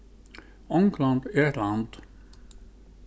ongland er eitt land